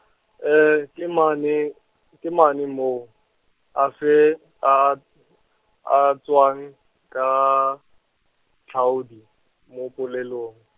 ke mane, ke mane moo, afe a a, a tswang, ka, tlhaodi, mo polelong.